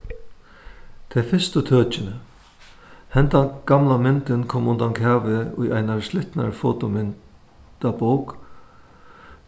tey fyrstu tøkini henda gamla myndin kom undan kavi í einari slitnari fotomyndabók